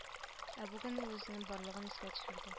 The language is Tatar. Ә бүген ул үзенең барлыгын искә төшерде